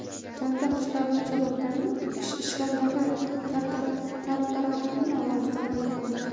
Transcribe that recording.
tongda qushlarning chug'uridan ishkomdagi tartarakning ovozidan uyg'ondi